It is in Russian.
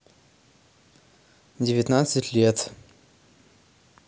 девятнадцать лет